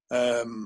yym